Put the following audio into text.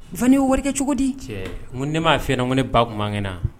Ye wari kɛ cogo di cɛ mun ne m ma'a fɛ nɔ ko ne ba tuma kɛnɛ na